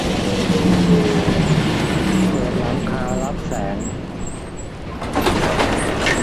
เปิดหลังคารับแสง